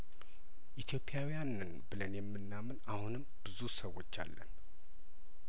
ኢትዮጵያውያን ነን ብለን የምናምን አሁንም ብዙ ሰዎች አለን